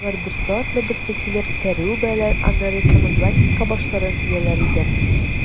Алар, берсе артлы берсе килеп, тәре үбәләр, аннары самозванецка башларын ияләр иде.